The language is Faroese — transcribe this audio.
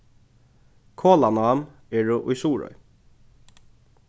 kolanám eru í suðuroy